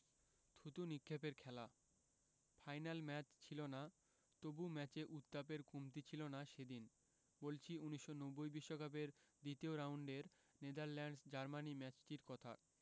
থুতু নিক্ষেপের খেলা ফাইনাল ম্যাচ ছিল না তবু ম্যাচে উত্তাপের কমতি ছিল না সেদিন বলছি ১৯৯০ বিশ্বকাপের দ্বিতীয় রাউন্ডের নেদারল্যান্ডস জার্মানি ম্যাচটির কথা